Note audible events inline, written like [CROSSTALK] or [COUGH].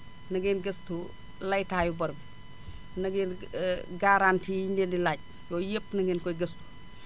na ngeen gëstu laytaayu bor na ngeen [HESITATION] garanti yi ñu leen di laaj yooyu yëpp na ngeen ko gëstu